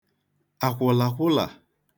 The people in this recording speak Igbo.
àkwụ̀làkwụlà